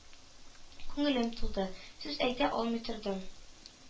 Күңелем тулды, сүз әйтә алмый тордым.